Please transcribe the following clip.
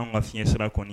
An ka fiɲɛɲɛ sira kɔni